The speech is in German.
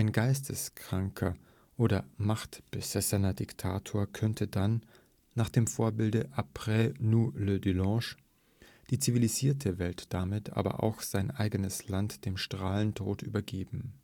geisteskranker oder machtbesessener Diktator könnte dann, nach dem Vorbilde ‚ après nous le déluge ‘die zivilisierte Welt, damit aber auch sein eigenes Land, dem Strahlentod übergeben